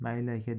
mayli aka